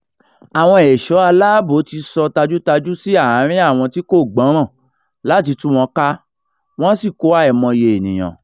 Àwọn ẹ̀ṣọ́ aláàbò ti sọ tajútajú sí àárín àwọn tí kò gbọ́ràn láti tú wọn ká, wọ́n sì kó àìmọye ènìyàn.